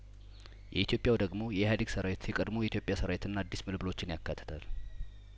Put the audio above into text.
የኢትዮጵያው ደግሞ የኢህአዴግ ሰራዊት የቀድሞ የኢትዮጵያ ሰራዊትና አዲስ ምልምሎችን ያካትታል